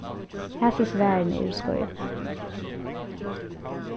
hasi svarini eru skeiv